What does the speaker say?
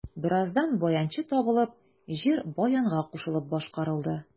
Бераздан баянчы табылып, җыр баянга кушылып башкарылды.